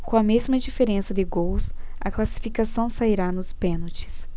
com a mesma diferença de gols a classificação sairá nos pênaltis